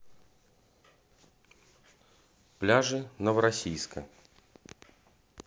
пляжи новороссийска